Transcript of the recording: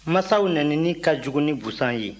masaw nenini ka jugu ni busan ye